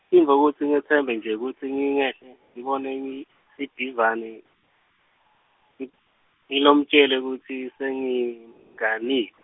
intfo kutsi ngetsemba nje kutsi ngingahle ngibone ivi-, Sibhikivane ti-, ngitamtjela kutsi sengimgani-.